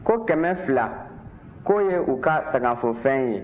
ko kɛmɛ fila k'o ye u ka sangafofɛn ye